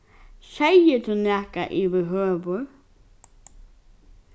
segði tú nakað yvirhøvur